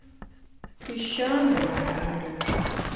песчаная буря